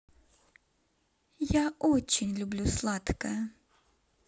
я очень люблю сладкое